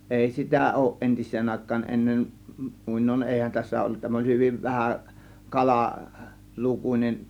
ei sitä ole entiseen aikaan ennen muinoin eihän tässä ollut tämä oli hyvin vähä - kalalukuinen